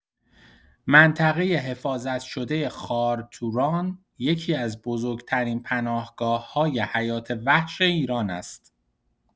منطقه حفاظت‌شده خارتوران یکی‌از بزرگ‌ترین پناهگاه‌های حیات‌وحش ایران است.